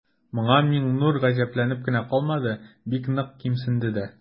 Моңа Миңнур гаҗәпләнеп кенә калмады, бик нык кимсенде дә.